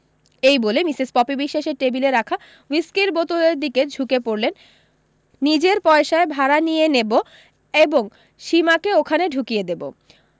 এই বলে Mrs Poppy বিশ্বাসের টেবিলে রাখা হুইসকির বোতলের দিকে ঝুঁকে পড়লেন নিজের পয়সায় ভাড়া নিয়ে নেবো এবং সীমাকে ওখানে ঢুকিয়ে দেবো